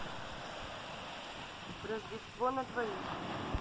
рождество на двоих